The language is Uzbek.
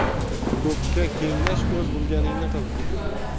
ko'pga kengash o'z bilganingni qil